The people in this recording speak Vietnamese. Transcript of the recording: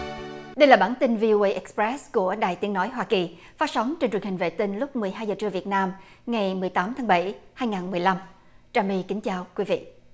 đây là bản tin vi ô ây ịch pét của đài tiếng nói hoa kỳ phát sóng trên truyền hình vệ tinh lúc mười hai giờ trưa việt nam ngày mười tám tháng bảy hai ngàn mười lăm trà my kính chào quý vị